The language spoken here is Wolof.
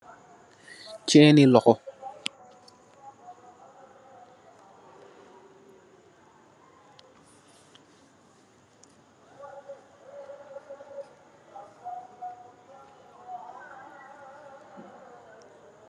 Ceen ni loxo